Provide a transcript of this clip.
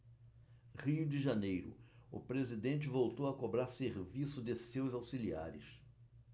rio de janeiro o presidente voltou a cobrar serviço de seus auxiliares